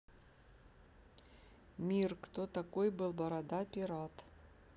мир кто такой был борода пират